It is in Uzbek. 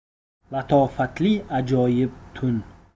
latofatli ajoyib tun